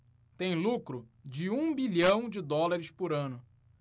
tem lucro de um bilhão de dólares por ano